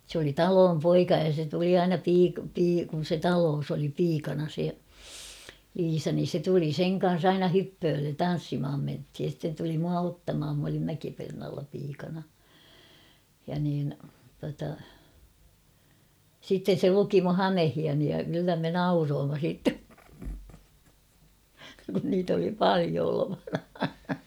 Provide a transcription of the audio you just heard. se oli talon poika ja se tuli aina -- kun se talossa oli piikana se Liisa niin se tuli sen kanssa aina hyppöölle tanssimaan mentiin ja sitten tuli minua ottamaan minä olin Mäkipernaalla piikana ja niin tuota sitten se luki minun hameitani ja kyllä me nauroimme sitten kun niitä oli paljon olevana